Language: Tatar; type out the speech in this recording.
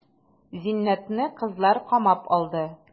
Зиннәтне кызлар камап алды.